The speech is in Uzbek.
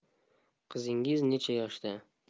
qizingiz necha yoshda